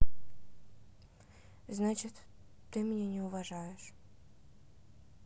значит ты меня не уважаешь